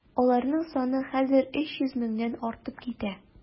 Аларның саны хәзер 300 меңнән артып китә.